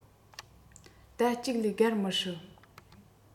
ཟླ ཅིག ལས བརྒལ མི སྲིད